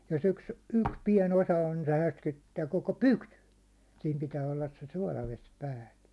jos yksi yksi pieni osa on niin se härskiinnyttää koko pytyn siinä pitää olla se suolavesi päällä